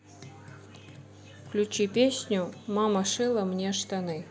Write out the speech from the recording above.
включи песню мама шила мне штаны